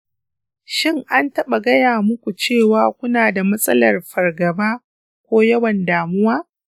shin an taɓa gaya muku cewa kuna da matsalar fargaba ko yawan damuwa?